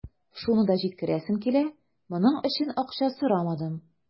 Шуны да җиткерәсем килә: моның өчен акча сорамадым.